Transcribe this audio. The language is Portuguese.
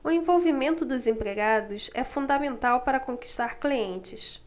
o envolvimento dos empregados é fundamental para conquistar clientes